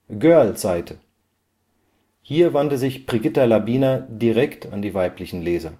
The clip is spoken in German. Girl-Seite: Hier wandte sich Brigitta Labiner direkt an die weiblichen Leser